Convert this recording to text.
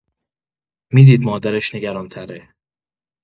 می‌دید مادرش نگران‌تره.